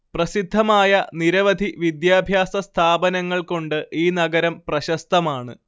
പ്രസിദ്ധമായ നിരവധി വിദ്യാഭ്യാസ സ്ഥാപനങ്ങള്‍ കൊണ്ട് ഈ നഗരം പ്രശസ്തമാണ്